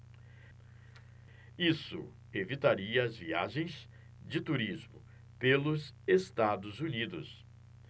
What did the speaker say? isso evitaria as viagens de turismo pelos estados unidos